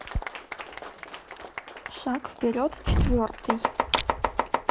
шаг вперед четвертый